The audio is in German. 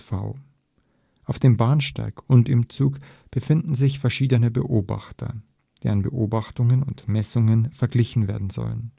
Auf dem Bahnsteig und im Zug befinden sich verschiedene Beobachter, deren Beobachtungen und Messungen verglichen werden sollen